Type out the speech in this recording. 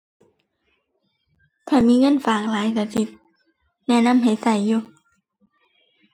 ถ้ามีเงินฝากหลาย ก็สิแนะนำให้ก็อยู่